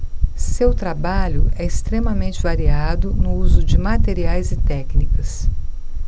seu trabalho é extremamente variado no uso de materiais e técnicas